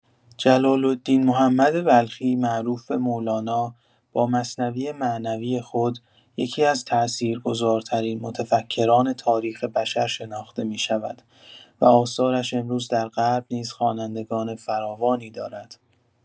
جلال‌الدین محمد بلخی معروف به مولانا، با مثنوی معنوی خود، یکی‌از تأثیرگذارترین متفکران تاریخ بشر شناخته می‌شود و آثارش امروز در غرب نیز خوانندگان فراوانی دارد.